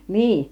niin